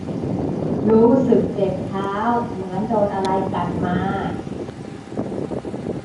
รู้สึกเจ็บเท้าเหมือนโดนอะไรกัดมา